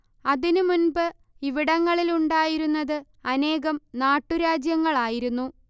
അതിന് മുൻപ് ഇവിടങ്ങളിൽ ഉണ്ടായിരുന്നത് അനേകം നാട്ടുരാജ്യങ്ങളായിരുന്നു